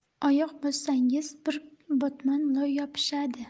oyoq bossangiz bir botmon loy yopishadi